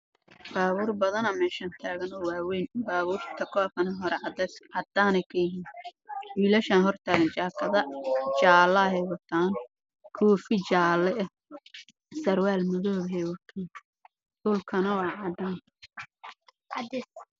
Baabuur badan baa taagan oo waaweyn